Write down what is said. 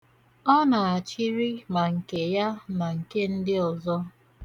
Ọ na-achịrị ma nke ya na nke ndị ọzọ.